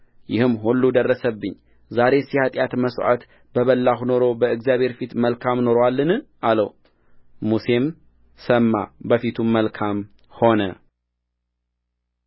ይህም ሁሉ ደረሰብኝ ዛሬስ የኃጢያት መሥዋዕት በበላሁ ኖሮ በእግዚአብሔር ፊት መልካም ኖሮአልን አለውሙሴም ሰማ በፊቱም መልካም ሆነ